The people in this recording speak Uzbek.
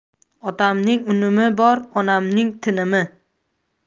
otamning unumi bor onamning tinimi